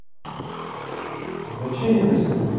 значение на сегодня